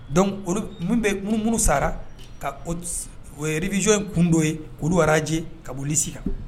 Donc olu minnu sala ka o révision . in kun dɔ ye, olu radier ka bɔ liste la.